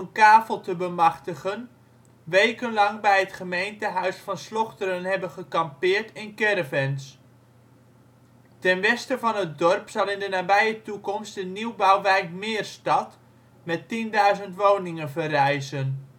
kavel te bemachtigen weken lang bij het gemeentehuis van Slochteren hebben gekampeerd in caravans. Ten westen van het dorp zal in de nabije toekomst de nieuwbouwwijk Meerstad (10.000 woningen) verrijzen